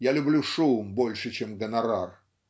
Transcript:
Я люблю шум больше, чем гонорар".